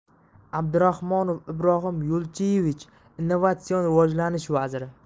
abdurahmonov ibrohim yo'lchiyevich innovatsion rivojlanish vaziri